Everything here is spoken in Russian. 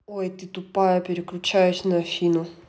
ой ты тупая переключаюсь на афину